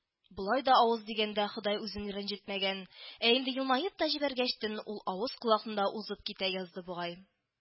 Болай да авыз дигәндә ходай үзен рәнҗетмәгән, ә инде елмаеп та җибәргәчтен, ул авыз колакны да узып китә язды бугай